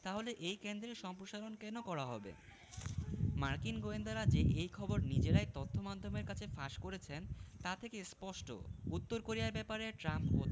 তাহলে এই কেন্দ্রের সম্প্রসারণ কেন করা হবে মার্কিন গোয়েন্দারা যে এই খবর নিজেরাই তথ্যমাধ্যমের কাছে ফাঁস করেছেন তা থেকে স্পষ্ট উত্তর কোরিয়ার ব্যাপারে ট্রাম্প ও